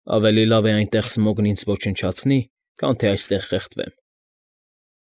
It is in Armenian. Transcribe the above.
Ավելի լավ է այնտեղ Սմոգն ինձ ոչնչացնի, քան թե այստեղ խեղդվեմ։